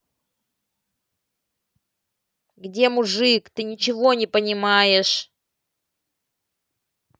где мужик ничего ты не понимаешь